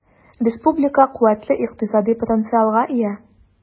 Республика куәтле икътисади потенциалга ия.